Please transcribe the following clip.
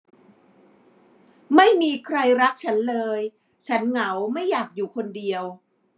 ไม่มีใครรักฉันเลยฉันเหงาไม่อยากอยู่คนเดียว